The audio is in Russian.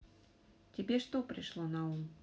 тебе что пришло на ум